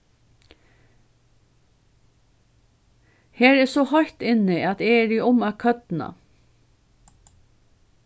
her er so heitt inni at eg eri um at kódna